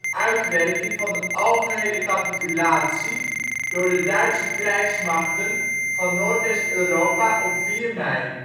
uitwerking van de algehele capitulatie door de Duitse krijgsmachten voor Noordwest-Europa op 4 mei